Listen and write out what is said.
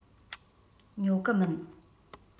ཉོ གི མིན